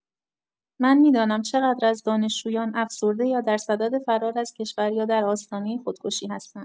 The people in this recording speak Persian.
من می‌دانم چقدر از دانشجویان افسرده یا درصدد فرار از کشور یا در آستانه خودکشی هستند.